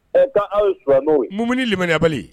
Ɔ ka awumuni lambali